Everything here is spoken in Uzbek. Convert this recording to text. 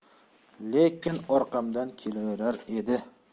lekin orqamdan kelaverar edi